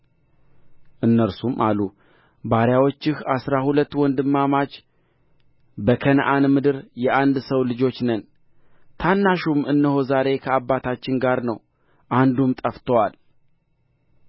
እነርሱም አሉ ባሪያዎችህ አሥራ ሁለት ወንድማማች በከነዓን ምድር የአንድ ሰው ልጆች ነን ታናሹም እነሆ ዛሬ ከአባታችን ጋር ነው አንዱም ጠፍቶአል